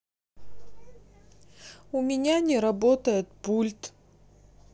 у меня не работает пульт